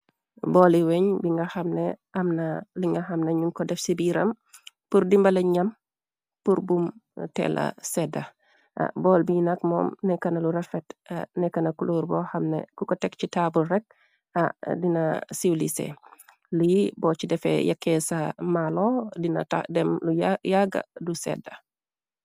Booli weñ bi nga xamne amna li nga xamna ñu ko def ci biram, pur di mbala ñam pur bu tela sedda, bool bi nak moom nekkana lu rafet , nekkana culóor bo xamne ku ko tek ci taabul rekk dina siiw lise, li boo ci defe yekee sa malo dina dem lu yagga du sedda.